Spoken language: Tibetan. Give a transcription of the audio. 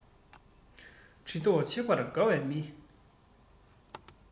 འདྲི རྟོགས བྱེད པར དགའ བའི མི